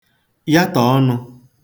yatọ̀ ọnụ̄